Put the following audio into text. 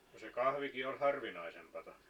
no se kahvikin oli harvinaisempaa